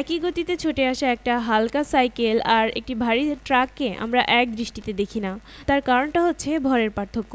একই গতিতে ছুটে আসা একটা হালকা সাইকেল আর একটা ভারী ট্রাককে আমরা একদৃষ্টিতে দেখি না তার কারণটা হচ্ছে ভরের পার্থক্য